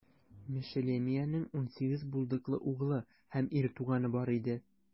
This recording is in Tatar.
Мешелемиянең унсигез булдыклы углы һәм ир туганы бар иде.